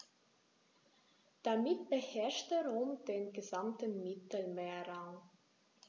Damit beherrschte Rom den gesamten Mittelmeerraum.